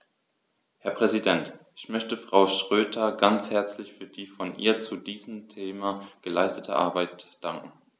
Herr Präsident, ich möchte Frau Schroedter ganz herzlich für die von ihr zu diesem Thema geleistete Arbeit danken.